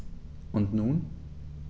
Und nun?